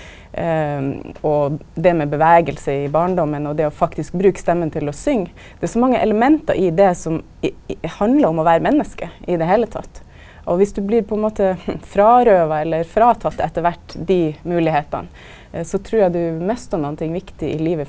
og det med bevegelse i barndommen, og det å faktisk bruka stemma til å synga, det er så mange element i det som handlar om å vera menneske i det heile tatt, og viss du blir på ein måte frårøva eller fråtatt etter kvart dei moglegheitene så trur eg du mistar nokon ting viktig i livet.